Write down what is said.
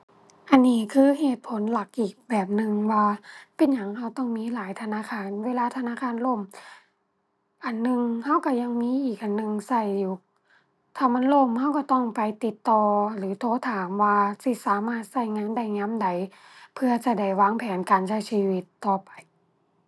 อันนี้คือเหตุผลหลักอีกแบบหนึ่งว่า เป็นหยังเราต้องมีหลายธนาคาร เวลาธนาคารล่ม อันหนึ่งเราเรายังมีอีกอันหนึ่งเราอยู่ ถ้ามันล่มเราก็ต้องไปติดต่อหรือโทรถามว่าสิสามารถเรางานได้ยามใด เพื่อจะได้วางแผนการใช้ชีวิตต่อไป